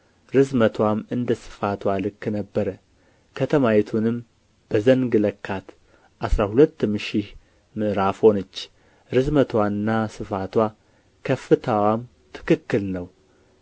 ርዝመትዋም እንደ ስፋትዋ ልክ ነበረ ከተማይቱንም በዘንግ ለካት አሥራ ሁለትም ሺህ ምዕራፍ ሆነች ርዝመትዋና ስፋትዋ ከፍታዋም ትክክል ነው